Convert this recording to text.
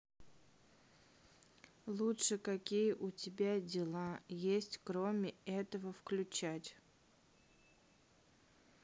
лучше какие у тебя дела есть кроме этого включать